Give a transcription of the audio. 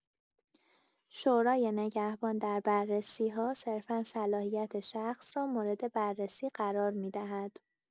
شورای نگهبان در بررسی‌ها، صرفا صلاحیت شخص را مورد بررسی قرار می‌دهد.